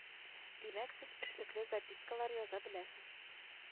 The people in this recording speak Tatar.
Димәк сез эшлекле запискалар яза беләсез